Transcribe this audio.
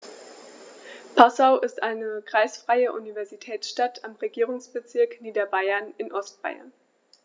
Passau ist eine kreisfreie Universitätsstadt im Regierungsbezirk Niederbayern in Ostbayern.